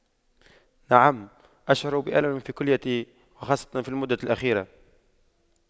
نعم أشعر بألم في كليتي وخاصة في المدة الأخيرة